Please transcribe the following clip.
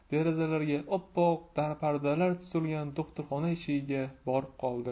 derazalariga oppoq darpardalar tutilgan do'xtirxona eshigiga borib qoldi